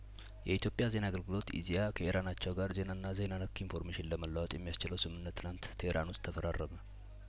የኢትዮጵያ ዜና አገልግሎት ኢዜአ ከኢራን አቻው ጋር ዜናና ዜና ነክ ኢንፎርሜሽን ለመለዋወጥ የሚያስችለውን ስምምነት ትናንት ቴህራን ውስጥ ተፈራረመ